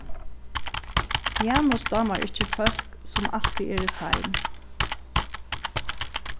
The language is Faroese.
janus dámar ikki fólk sum altíð eru sein